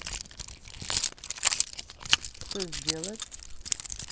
что сделать